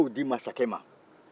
a ye taa u di masakɛ ma